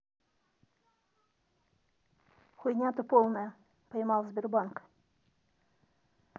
хуйня ты полная поймал сбербанк